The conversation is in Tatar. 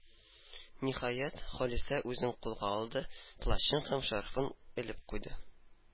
Ниһаять, Халисә үзен кулга алды, плащын һәм шарфын элеп куйды.